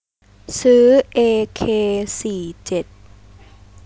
ซื้อเอเคสี่เจ็ด